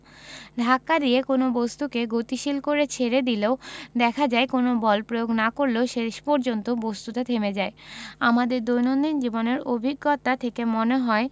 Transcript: ধাক্কা দিয়ে কোনো বস্তুকে গতিশীল করে ছেড়ে দিলেও দেখা যায় কোনো বল প্রয়োগ না করলেও শেষ পর্যন্ত বস্তুটা থেমে যায় আমাদের দৈনন্দিন জীবনের অভিজ্ঞতা থেকে মনে হয়